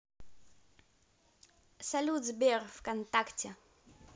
салют сбер вконтакте